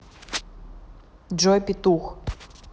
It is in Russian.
джой петух